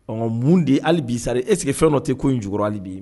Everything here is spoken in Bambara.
Ɔ mun de hali bisari esseke fɛn dɔ ten ko in j ale de ye